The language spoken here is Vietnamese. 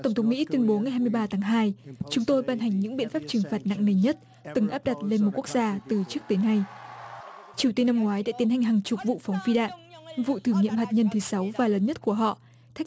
tổng thống mỹ tuyên bố ngày hai mươi ba tháng hai chúng tôi ban hành những biện pháp trừng phạt nặng nề nhất từng áp đặt lên một quốc gia từ trước tới nay triều tiên năm ngoái để tiến hành hàng chục vụ phóng phi đạn vụ thử nghiệm hạt nhân thứ sáu và lớn nhất của họ